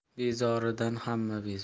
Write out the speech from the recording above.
bezoridan hamma bezor